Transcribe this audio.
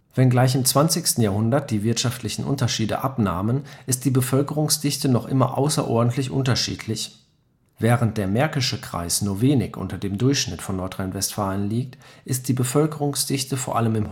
Wenngleich im 20. Jahrhundert die wirtschaftlichen Unterschiede abnahmen, ist die Bevölkerungsdichte noch immer außerordentlich unterschiedlich. Während der Märkische Kreis nur wenig unter dem Durchschnitt von Nordrhein-Westfalen liegt, ist die Bevölkerungsdichte vor allem